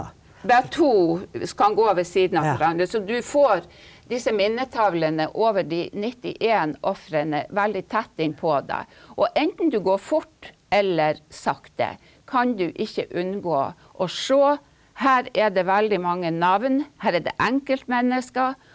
det er to kan gå ved siden av hverandre, så du får disse minnetavlene over de 91 ofrene veldig tett inn på deg, og enten du går fort eller sakte kan du ikke unngå å se her er det veldig mange navn, her er det enkeltmennesker.